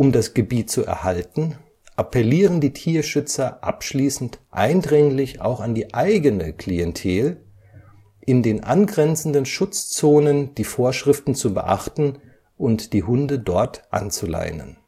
das Gebiet zu erhalten, appellieren die Tierschützer abschließend eindringlich auch an die eigene Klientel, in den angrenzenden Schutzzonen die Vorschriften zu beachten und die Hunde dort anzuleinen